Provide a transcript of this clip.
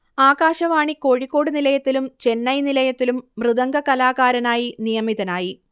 ആകാശവാണി കോഴിക്കോട് നിലയത്തിലും ചെന്നൈ നിലയത്തിലും മൃദംഗകലാകാരനായി നിയമിതനായി